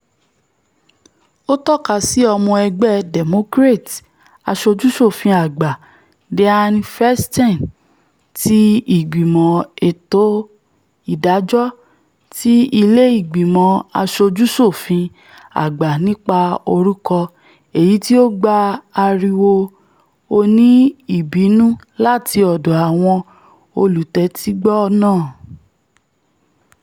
Ó tọ́kasí ọmọ ẹgbẹ́ Democrats Àsojú-ṣòfin Àgbà Dianne Feinstein ti Ìgbìmọ̀ Ètò Ìdájọ́ ti Ilé Ìgbìmọ̀ Aṣojú-ṣòfin Àgbà nípa orúkọ, èyití o gba ariwo oní-ìbínú láti ọdọ́ àwọn olùtẹ́tígbọ náà.